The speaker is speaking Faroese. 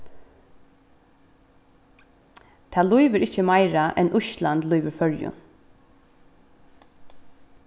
tað lívir ikki meira enn ísland lívir føroyum